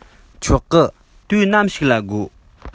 ཆོག གི དུས ནམ ཞིག ལ དགོས